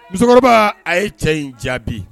Musokɔrɔba a ye cɛ in jaabi